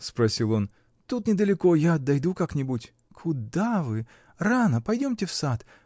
— спросил он, — тут недалеко, я дойду как-нибудь. — Куда вы? Рано: пойдемте в сад!